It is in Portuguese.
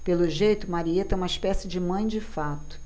pelo jeito marieta é uma espécie de mãe de fato